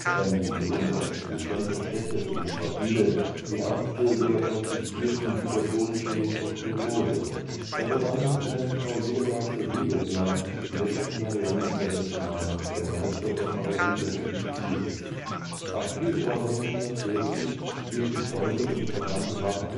Sein Gesundheitszustand verschlechterte sich rapide. Die Ärzte diagnostizierten hypertonische Nephrosklerose. Er begann, seiner Frau Jelena Sergejewna die letzten Varianten seines Romans Der Meister und Margarita zu diktieren. Ab Februar 1940 hielten Freunde und Verwandte Wache